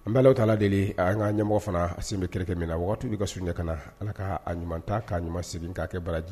N' t' deli a' ka ɲɛmɔgɔ fana a sen bɛ kɛrɛ min na waati bɛ ka sunjata ɲɛ ka na ala k kaa ɲuman ta k'a ɲuman segin k'a kɛ baraji